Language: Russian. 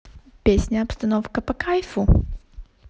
песня обстановка по кайфу